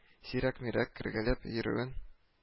Сирәк-мирәк кергәләп йөрүен